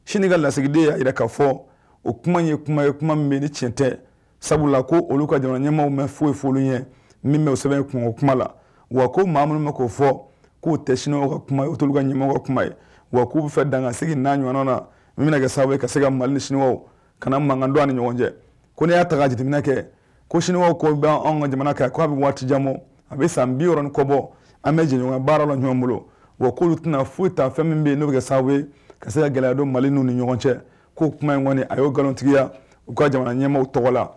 Sini ka lasigiden y'a jira ka fɔ o kuma ye kuma ye kuma min ni cɛn tɛ sabula ko olu ka ɲɔgɔn ɲɛmaw mɛn foyi ye foli ye min bɛ sɛbɛn kungo o kuma la wa ko maa minnu ma k'o fɔ k'u tɛ sun ka kuma u tolu ka ɲɛmɔgɔ kuma ye wa k'u bɛ fɛ dangasigi na ɲɔgɔnɔn na n bɛna kɛ sa ka se ka mali sun kana mankan dɔn ni ɲɔgɔn cɛ ko ne y'a ta ka jateminɛ kɛ ko siniɔgɔ ko bɛ' anw ka jamana kɛ k'a bɛ waati jankuma a bɛ san biɔrɔnin kɔ bɔ an bɛ jɲɔgɔn baara la ɲɔgɔn bolo wa k'olu tɛna foyi ta fɛn min bɛ yen'u kɛ sa ye ka se ka gɛlɛya don mali'u ni ɲɔgɔn cɛ k'o kuma in kɔni a y'o nkalontigiya u ka jamana ɲɛmaaw tɔgɔ la